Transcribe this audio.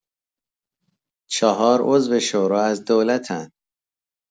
چهار عضو شورا از دولتن